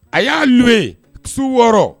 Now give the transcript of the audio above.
A y'a' ye su wɔɔrɔ